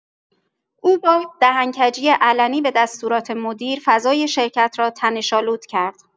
او با دهن‌کجی علنی به دستورات مدیر، فضای شرکت را تنش‌آلود کرد.